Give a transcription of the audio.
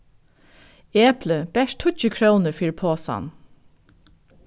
epli bert tíggju krónur fyri posan